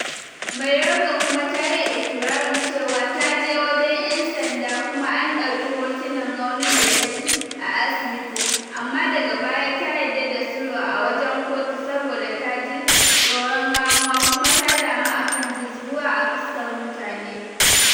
Mayorga kuma tayi ikirari cewa ta je wajen ‘yan sanda kuma an ɗauki hotunan raunin da ta ji a asibit, amma daga baya ta yadda da sulhu a wajen kotu saboda ta ji “tsoron ramuwa” kuma ta damu akan “dizguwa a fuskar mutane.”